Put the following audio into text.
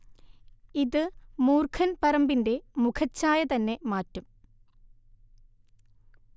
ഇത് മൂർഖൻ പറമ്പിന്റെ മുഖച്ഛായ തന്നെ മാറ്റും